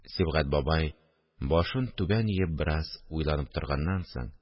Сибгать бабай, башын түбән иеп бераз уйланып торганнан соң